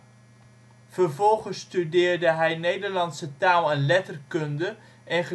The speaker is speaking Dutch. Vervolgens studeerde hij Nederlandse taal - en